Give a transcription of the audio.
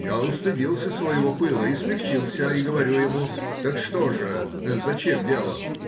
Я устыдился своего пыла и смягчился, и говорю ему: — Так что же? за чем дело?